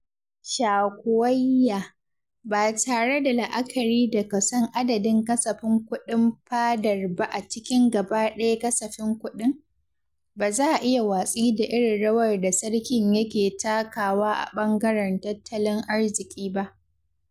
charquauuia: Ba tare da la'akari da kason adadin kasafin kuɗin fadar ba a cikin gaba ɗayan kasafin kuɗin, ba za a iya watsi da irin rawar da sarkin yake takawa a ɓangaren tattalin arziki ba.